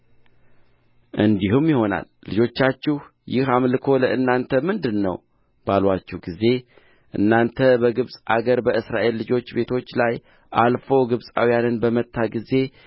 እንዲህም ይሆናል ልጆቻችሁ ይህ አምልኮ ለእናንተ ምንድር ነው ባሉአችሁ ጊዜ እናንተ በግብፅ አገር በእስራኤል ልጆች ቤቶች ላይ አልፎ ግብፃዊያንን በመታ ጊዜ